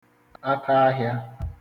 akaahịā